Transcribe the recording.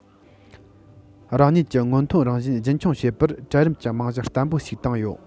རང ཉིད ཀྱི སྔོན ཐོན རང བཞིན རྒྱུན འཁྱོངས བྱེད པར གྲལ རིམ གྱི རྨང གཞི བརྟན པོ ཞིག བཏིང ཡོད